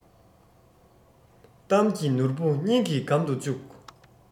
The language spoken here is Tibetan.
གཏམ གྱི ནོར བུ སྙིང གི སྒམ དུ བཅུག